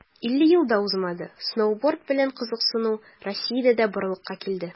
50 ел да узмады, сноуборд белән кызыксыну россиядә дә барлыкка килде.